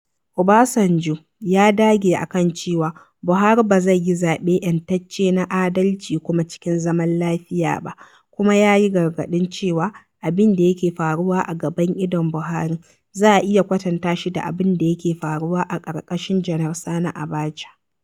Obasanjo ya dage a kan cewa Buhari ba zai yi zaɓe "'yantacce na adalci kuma cikin zaman lafiya" ba, kuma ya yi gargaɗin cewa abin da yake "faruwa a gaban idon Buhari, za a iya kwatanta shi da abin da yake faruwa a ƙarƙashin Janar Sani Abacha.